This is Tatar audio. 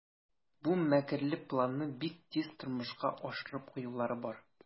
Бу мәкерле планны бик тиз тормышка ашырып куюлары бар.